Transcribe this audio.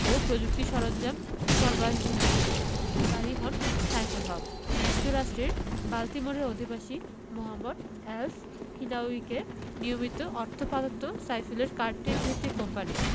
ও প্রযুক্তি সরঞ্জাম সরবরাহকারী হন সাইফুল হক যুক্তরাষ্ট্রের বাল্টিমোরের অধিবাসী মোহাম্মদ এলসহিনাউয়িকে নিয়মিত অর্থ পাঠাত সাইফুলের কার্ডিফভিত্তিক কোম্পানি